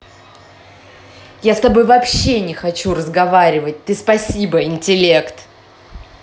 я с тобой вообще не хочу разговаривать ты спасибо интелект